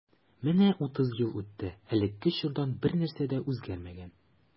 Менә утыз ел үтте, элекке чордан бернәрсә дә үзгәрмәгән.